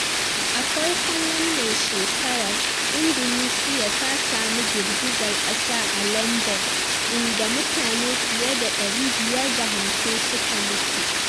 A farkon wannan shekarar, Indonesia ta samu girgizar kasa a Lombok, inda mutane fiye da 550 suka mutu.